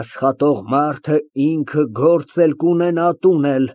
Աշխատող մարդը ինքը գործ էլ կունենա, տուն էլ։